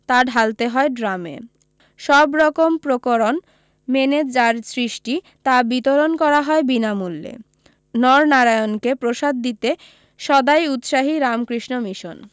তা ঢালতে হয় ড্রামে সবরকম প্রকরণ মেনে যার সৃষ্টি তা বিতরণ করা হয় বিনামূল্যে নরনারায়ণকে প্রসাদ দিতে সদাই উৎসাহী রামকৃষ্ণ মিশন